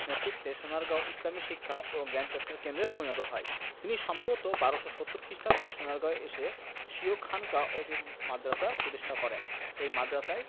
নেতৃত্বে সোনারগাঁও ইসলামি শিক্ষা ও জ্ঞানচর্চার কেন্দ্রে পরিণত হয় তিনি সম্ভবত ১২৭০ খ্রিস্টাব্দে সোনারগাঁয়ে এসে স্বীয় খানকা ও একটি মাদ্রাসা প্রতিষ্ঠা করেন এই মাদ্রাসায়